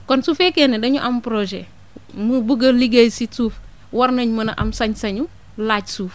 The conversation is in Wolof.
kon su fekkee ne dañu am projet mu bugg a liggéey si suuf war nañ mën a am sañ-sañu laaj suuf